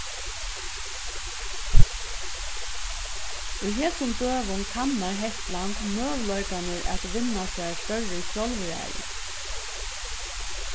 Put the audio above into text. í hesum døgum kannar hetland møguleikarnar at vinna sær størri sjálvræði